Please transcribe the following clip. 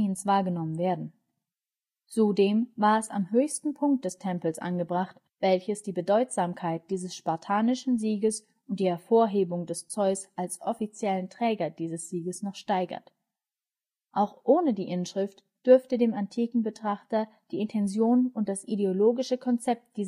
Zudem war es am höchsten Punkt des Tempels angebracht, welches die Bedeutsamkeit dieses spartanischen Sieges und die Hervorhebung des Zeus als offiziellen Träger dieses Sieges noch steigert. Auch ohne die Inschrift dürfte dem antiken Betrachter die Intention und das ideologische Konzept dieses Anathems bekannt gewesen sein